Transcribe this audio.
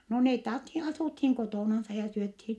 no ne - asuttiin kotonansa ja syötiin